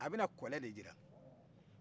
a bɛna kɔlɛ dilan